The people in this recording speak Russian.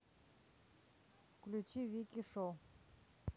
включи вики шоу